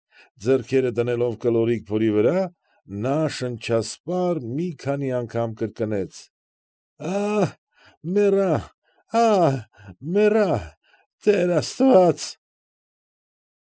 Ձեռքերը դնելով կլորիկ փորի վրա, նա շնշասպառ մի քանի անգամ կրկնեց. ֊ Ա՜հ, մեռա, ա՜հ, մեռա, տեր աստված։